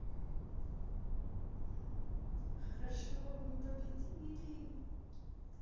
хорошо мы победители